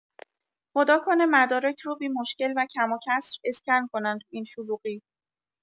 خدا کنه مدارک رو بی مشکل و کم و کسر اسکن کنن تو این شلوغی